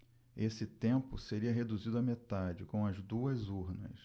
esse tempo seria reduzido à metade com as duas urnas